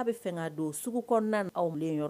A' bɛ fɛ'a don suguknan anw yɔrɔ